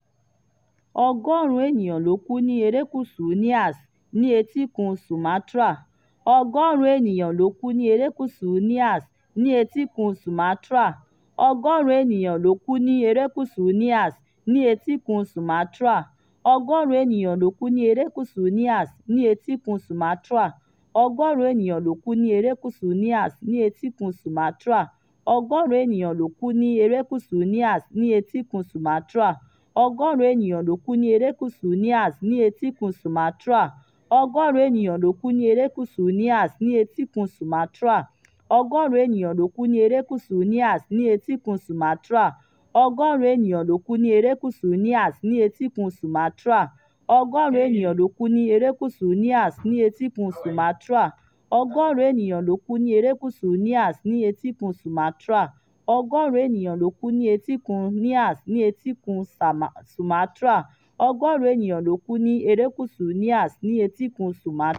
Ọgọ́rùn-ún ènìyàn ló kú ni erékùṣù Nias, ní etíkun Sumatra.